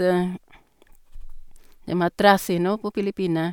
Dem har trasig nå på Filippinene.